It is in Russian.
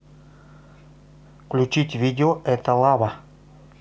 включить видео это лава